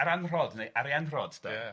Aranrhod, neu Arianrhod, 'de?